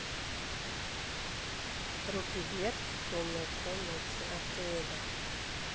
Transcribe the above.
руки вверх в темной комнате отеля